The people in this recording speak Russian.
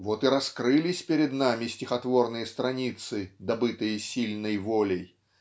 вот и раскрылись перед нами стихотворные страницы добытые сильной волей